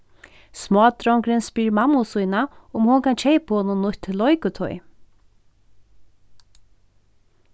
smádrongurin spyr mammu sína um hon kann keypa honum nýtt leikutoy